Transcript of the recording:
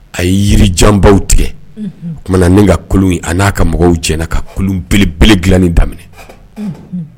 A ye yirijanbaw tigɛ tuma ni ka kulu an n'a ka mɔgɔw jɛ ka belebele dilanin daminɛ